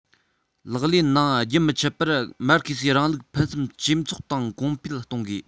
ལག ལེན ནང རྒྱུན མི འཆད པར མར ཁེ སིའི རིང ལུགས ཕུན སུམ ཇེ ཚོགས དང གོང འཕེལ གཏོང དགོས